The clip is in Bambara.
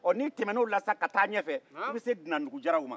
ɔ ni tanbe n'olu la sa ka taa ɲɛfɛ i be se dunandugu jaraw ma